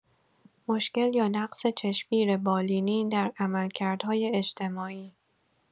مشکل یا نقص چشمگیر بالینی در عملکردهای اجتماعی